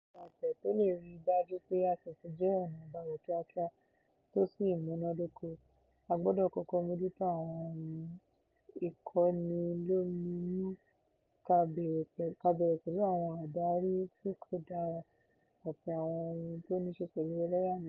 Kí a tiẹ̀ tó lè ri dájú pé ICT jẹ́ “ọ̀nà àbáyọ̀ kíákíá tó sì múná dóko” a gbọ́dọ̀ kọ́kọ́ mójútó àwọn ohun ìkọnilóminú, ká bẹ̀rẹ̀ pẹ̀lú àwọn adarí tí kò dára àti àwọn ohun tó ní ṣe pẹ̀lú ẹlẹ́yàmẹyà.